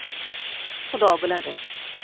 xudo biladi